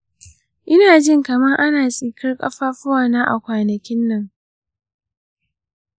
ina jin kamar ana tsikar ƙafafuna a kwanakin nan.